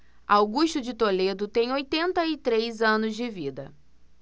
augusto de toledo tem oitenta e três anos de vida